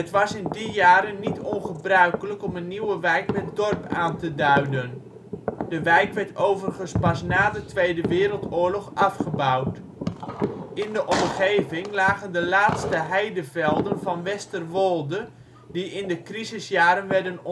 was in die jaren niet ongebruikelijk om een nieuwe wijk met " dorp " aan te duiden. De wijk werd overigens pas na de Tweede Wereldoorlog afgebouwd. In de omgeving lagen de laatste heidevelden van Westerwolde die in de crisisjaren werden